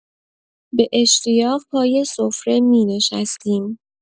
به اشتیاق پای سفره می‌نشستیم.